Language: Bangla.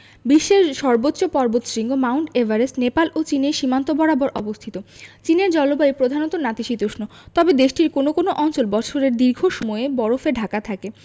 বিশ্বের সর্বোচ্চ পর্বতশৃঙ্গ মাউন্ট এভারেস্ট নেপাল ও চীনের সীমান্ত বরাবর অবস্থিত চীনের জলবায়ু প্রধানত নাতিশীতোষ্ণ তবে দেশটির কোনো কোনো অঞ্চল বছরের দীর্ঘ সময় বরফে ঢাকা থাকে